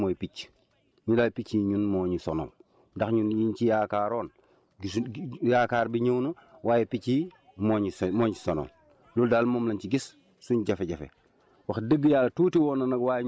léegi nag ñun liy suñ jafe-jafe mooy picc ñun daal picc yi ñun moo ñu sonal ndax ñun li ñu ci yaakaaroon gisuñ yaakaar bi ñëw na waaye picc yi moo ñu so moo ñu sonal loolu daal moom lañ si gis suñ jafe-jafe